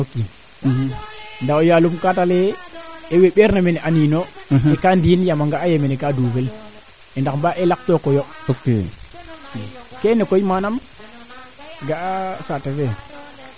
a rima nga kaa samaa xcegel ke inoora nga maana kaa ñaamiid a ñaamiida nga ba ngiñ na xana neefere o ga weeke seed ma neefere ma wene yonmg ma sax kaaga kaa dosa maaga ɗik kaaga de anda num no saas nen ndiic na aussi neen